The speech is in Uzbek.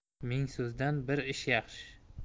ming so'zdan bir ish yaxshi